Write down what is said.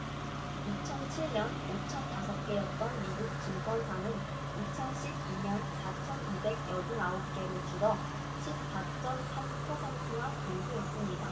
이천 칠 년 오천 다섯 개였던 미국 증권사는 이천 십 이 년 사천 이백 여든 아홉 개로 줄어 십 사 쩜 삼 퍼센트나 감소했습니다